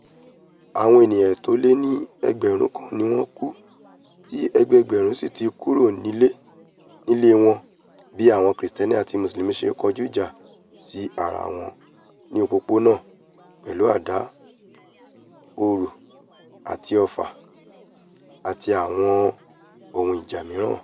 Àwọn ènìyàn tó le ní ẹgbẹ̀rún kan ni wọ́n kú tí ẹgbẹ́ẹgbẹ̀rún síi tí kúrò nílé wọn bíi àwọn Kìrìsìtẹ́nì àti Mùsùlùmí ṣe kojú ìjà sí ara wọ́n ní opópónà, pẹ̀lú àdá, ọ̀run àti ọfà, àti àwọn ohun ìjà mìíràn